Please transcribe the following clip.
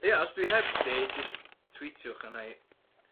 Ia os dwi heb 'di jyst tweetiwch arna i.